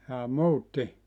jaa muutti